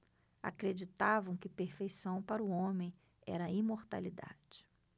acreditavam que perfeição para o homem era a imortalidade